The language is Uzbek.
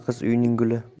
qiz uyning guli